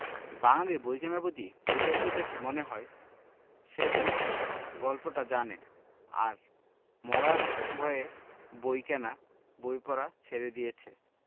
বাঙালীর বই কেনার প্রতি বৈরাগ্য দেখে মনে হয় সে যেন গল্পটা জানে আর মরার ভয়ে বই কেনা বই পড়া ছেড়ে দিয়েছে